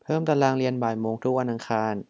เพิ่มตารางเรียนบ่ายโมงทุกวันอังคาร